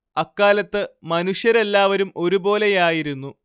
അക്കാലത്ത്‌ മനുഷ്യരെല്ലാവരും ഒരുപോലെയായിരുന്നു